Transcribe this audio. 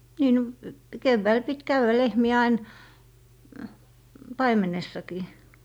niin no keväällä piti käydä lehmiä aina paimenessakin